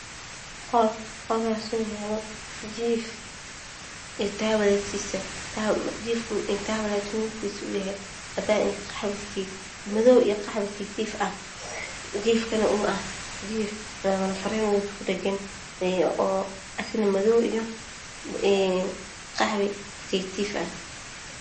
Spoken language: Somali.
Waa qol waxaa yaalo jiif iyo awleedkiisa oo cadaan, qaxwi iyo madow. Jiifkabna waa jiif labo nafar ah oo isku dhagan oo madow iyo qaxwi ah.